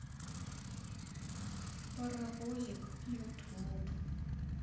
паровозик ютуб